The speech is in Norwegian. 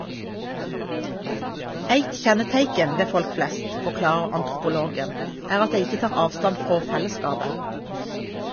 Eit kjenneteikn ved folk flest, forklarer antropologen, er at dei ikkje tar avstand frå fellesskapet.